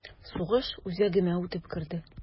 Сугыш үзәгемә үтеп керде...